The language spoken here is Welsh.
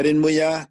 yr un mwya